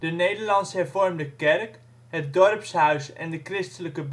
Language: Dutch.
Nederlands-hervormde kerk, het dorpshuis en de christelijke